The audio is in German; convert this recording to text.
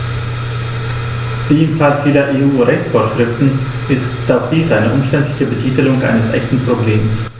Wie im Fall vieler EU-Rechtsvorschriften ist auch dies eine umständliche Betitelung eines echten Problems.